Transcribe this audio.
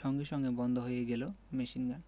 সঙ্গে সঙ্গে বন্ধ হয়ে গেল মেশিনগান